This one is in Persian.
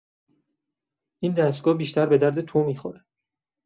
اون دستگاه بیشتر به درد تو می‌خوره.